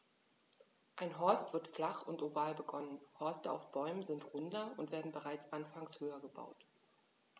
Ein Horst wird flach und oval begonnen, Horste auf Bäumen sind runder und werden bereits anfangs höher gebaut.